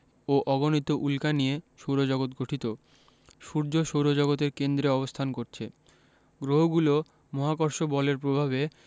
ও অগণিত উল্কা নিয়ে সৌরজগৎ গঠিত সূর্য সৌরজগতের কেন্দ্রে অবস্থান করছে গ্রহগুলো মহাকর্ষ বলের প্রভাবে